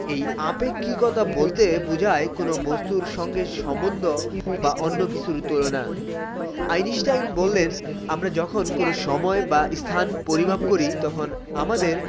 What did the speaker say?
এই আপেক্ষিকতা বলতে বোঝায় কোন বস্তুর সঙ্গে সম্বন্ধ বা অন্য কিছুর তুলনা আইনস্টাইন বললেন আমরা যখন কোন সময় বা স্থান পরিমাপ করি তখন আমাদের